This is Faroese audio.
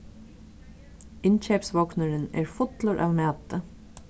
innkeypsvognurin er fullur av mati